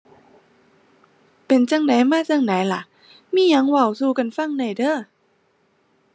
เป็นจั่งใด มาจั่งใดล่ะ มีหยังเว้าสู่กันฟังได้เด้อ